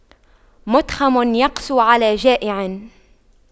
مُتْخَمٌ يقسو على جائع